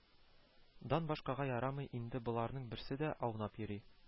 Дан башкага ярамый инде боларның берсе дә, аунап йөри